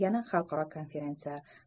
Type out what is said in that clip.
yana xalqaro konferensiya